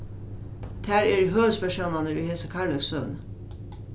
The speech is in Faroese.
tær eru høvuðspersónarnir í hesi kærleikssøguni